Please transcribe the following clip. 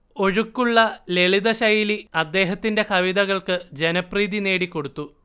ഒഴുക്കുള്ള ലളിതശൈലി അദ്ദേഹത്തിന്റെ കവിതകൾക്ക് ജനപ്രീതി നേടിക്കൊടുത്തു